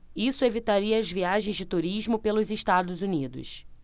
isso evitaria as viagens de turismo pelos estados unidos